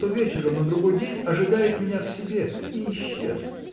что вечером на другой день ожидает меня к себе – и исчез.